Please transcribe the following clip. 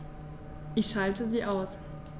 Ich schalte sie aus.